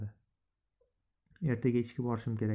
ertaga ishga borishim kerak